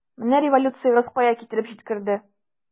Менә революциягез кая китереп җиткерде!